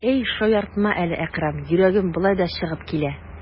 Әй, шаяртма әле, Әкрәм, йөрәгем болай да чыгып килә.